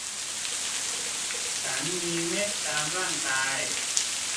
ฉันมีเม็ดตามร่างกาย